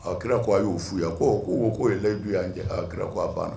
Aa kira ko a y'o f uu yan k'o ye yidu yan kira ko a banna